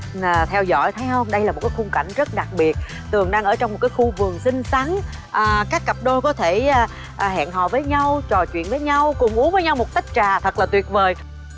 theo dõi thấy không đây là một cái khung cảnh rất đặc biệt tường đang ở trong một cái khu vườn xinh xắn à các cặp đôi có thể hẹn hò với nhau trò chuyện với nhau cùng uống với nhau một tách trà thật là tuyệt vời